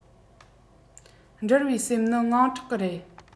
འགྲུལ པའི སེམས ནི དངངས སྐྲག གི རེད